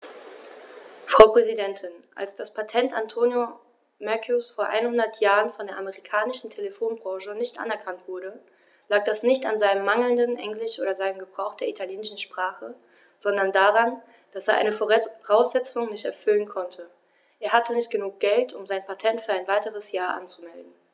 Frau Präsidentin, als das Patent Antonio Meuccis vor einhundert Jahren von der amerikanischen Telefonbranche nicht anerkannt wurde, lag das nicht an seinem mangelnden Englisch oder seinem Gebrauch der italienischen Sprache, sondern daran, dass er eine Voraussetzung nicht erfüllen konnte: Er hatte nicht genug Geld, um sein Patent für ein weiteres Jahr anzumelden.